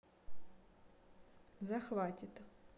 захватит